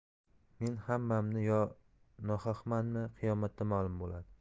men haqmanmi yo nohaqmanmi qiyomatda ma'lum bo'ladi